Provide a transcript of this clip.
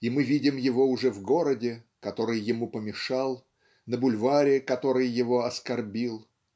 и мы видим его уже в городе который ему помешал на бульваре который его оскорбил.